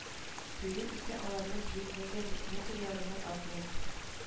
Бүген исә аларның биеклеге метр ярымнан артмый